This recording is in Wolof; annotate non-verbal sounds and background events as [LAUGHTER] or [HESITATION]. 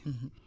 [HESITATION] [HESITATION]